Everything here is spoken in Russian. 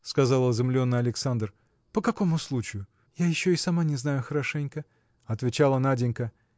– сказал изумленный Александр, – по какому случаю? – Я еще и сама не знаю хорошенько – отвечала Наденька